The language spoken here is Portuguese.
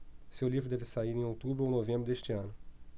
seu livro deve sair em outubro ou novembro deste ano